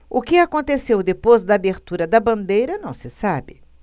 o que aconteceu depois da abertura da bandeira não se sabe